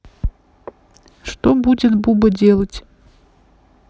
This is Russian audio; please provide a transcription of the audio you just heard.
что будет буба делать